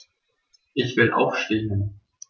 Ich will aufstehen.